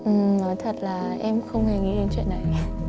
nói thật là em không hề nghĩ đến chuyện đấy